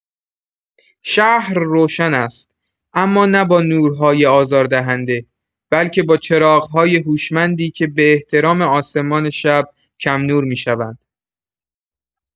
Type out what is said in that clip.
شهر روشن است، اما نه با نورهای آزاردهنده، بلکه با چراغ‌های هوشمندی که به احترام آسمان شب کم‌نور می‌شوند.